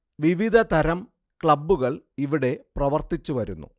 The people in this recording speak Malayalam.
വിവധതരം ക്ലബ്ബുകൾ ഇവിടെ പ്രവർത്തിച്ച് വരുന്നു